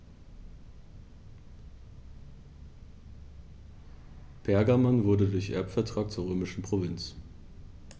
Pergamon wurde durch Erbvertrag zur römischen Provinz.